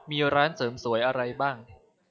มีร้านเสริมสวยอะไรบ้าง